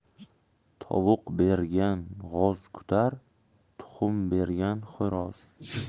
tovuq bergan g'oz kutar tuxum bergan xo'roz